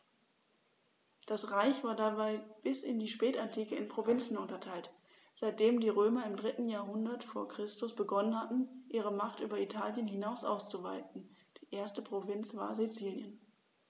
Das Reich war dabei bis in die Spätantike in Provinzen unterteilt, seitdem die Römer im 3. Jahrhundert vor Christus begonnen hatten, ihre Macht über Italien hinaus auszuweiten (die erste Provinz war Sizilien).